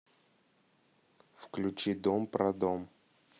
включи дом про дом